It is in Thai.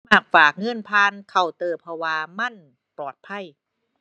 มักฝากเงินผ่านเคาน์เตอร์ เพราะว่ามันปลอดภัย